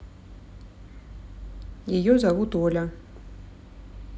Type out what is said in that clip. ее зовут оля